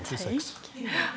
tenk ja.